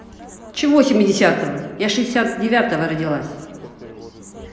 чего семидесятого я шестьдесят девятого родилась